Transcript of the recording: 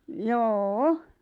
joo